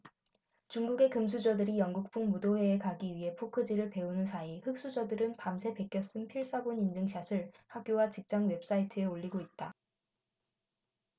중국의 금수저들이 영국풍 무도회에 가기 위해 포크질을 배우는 사이 흑수저들은 밤새 베껴 쓴 필사본 인증샷을 학교와 직장 웹사이트에 올리고 있다